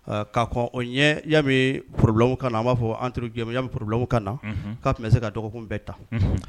Ɛ Ka kɔn o ɲɛ i y'a mee problème kana an b'a fɔɔ entre guillemets i y'am problème kana unhun k'a tun be se ka dɔgɔkun bɛɛ ta unhun